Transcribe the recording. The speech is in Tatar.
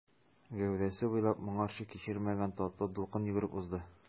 Гәүдәсе буйлап моңарчы кичермәгән татлы дулкын йөгереп узды.